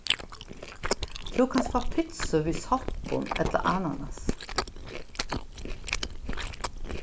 tú kanst fáa pitsu við soppum ella ananas